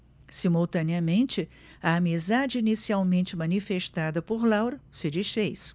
simultaneamente a amizade inicialmente manifestada por laura se disfez